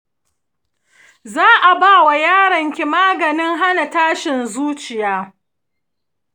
za'a ba ma yaron ki maganin hana tashin zuciya.